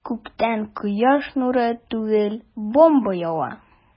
Күктән кояш нуры түгел, бомба ява.